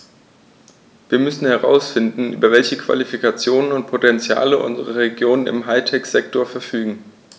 Wir müssen herausfinden, über welche Qualifikationen und Potentiale unsere Regionen im High-Tech-Sektor verfügen.